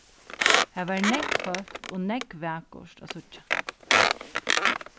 har var nógv fólk og nógv vakurt at síggja